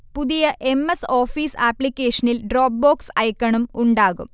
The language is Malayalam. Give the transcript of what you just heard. പുതിയ എം. എസ്. ഓഫീസ് ആപ്ലിക്കേഷനിൽ ഡ്രോപ്പ്ബോക്സ് ഐക്കണും ഉണ്ടാകും